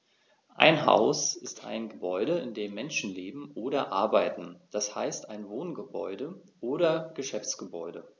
Ein Haus ist ein Gebäude, in dem Menschen leben oder arbeiten, d. h. ein Wohngebäude oder Geschäftsgebäude.